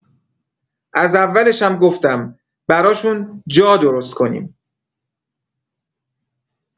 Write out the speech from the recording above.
از اولشم گفتم براشون جا درست کنیم.